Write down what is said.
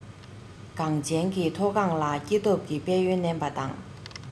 གངས ཅན གྱི མཐོ སྒང ལ སྐྱེ སྟོབས ཀྱི དཔལ ཡོན བསྣན པ དང